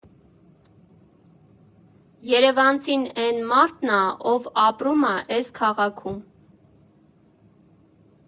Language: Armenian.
Երևանցին էն մարդն ա, ով ապրում ա էս քաղաքում։